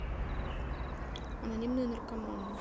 анонимные наркоманы